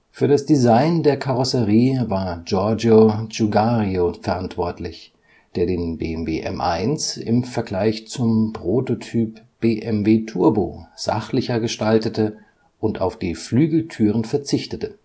Für das Design der Karosserie war Giorgio Giugiaro verantwortlich, der den BMW M1 im Vergleich zum Prototyp BMW Turbo sachlicher gestaltete und auf die Flügeltüren verzichtete